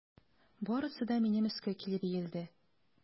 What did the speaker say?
Барысы да минем өскә килеп иелде.